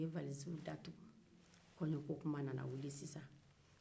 an ye waliziw datugu kɔɲɔko kuma nana wuli sisan